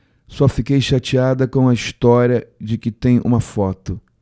só fiquei chateada com a história de que tem uma foto